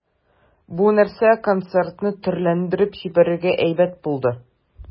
Бу нәрсә концертны төрләндереп җибәрергә әйбәт булды.